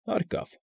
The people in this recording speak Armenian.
Հարկավ։